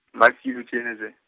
Masilo Theunissen.